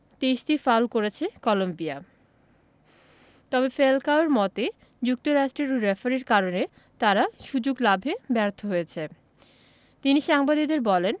২৩টি ফাউল করেছে কলম্বিয়া তবে ফ্যালকাওয়ের মতে যুক্তরাষ্ট্রের ওই রেফারির কারণে তারা সুযোগ লাভে ব্যর্থ হয়েছে তিনি সাংবাদিকদের বলেন